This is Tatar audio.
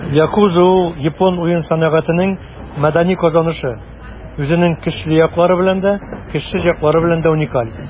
Yakuza - ул япон уен сәнәгатенең мәдәни казанышы, үзенең көчле яклары белән дә, көчсез яклары белән дә уникаль.